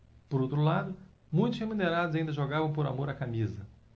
por outro lado muitos remunerados ainda jogavam por amor à camisa